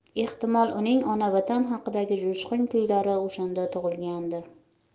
ehtimol uning ona vatan haqidagi jo'shqin kuylari o'shanda tug'ilgandir